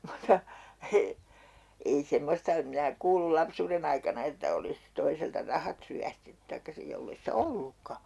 mutta - ei semmoista en minä kuullut lapsuuden aikana että olisi toiselta rahat ryöstetty tai sitten jos ei sitä ollutkaan